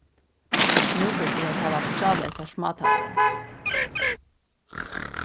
nú ber til at hava tráðleysar smátalarar